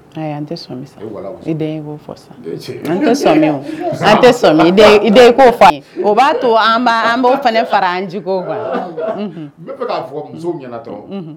An tɛ tɛ o b'a to an fana fara an nci ko n